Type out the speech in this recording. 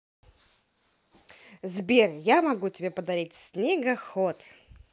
сбер я могу тебе подарить снегоход